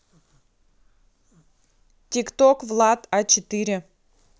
tiktok влад а четыре